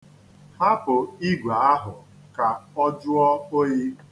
Hapụ igwe ahụ ka o jụọ oyi.